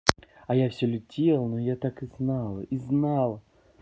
а я все летала но я так и знала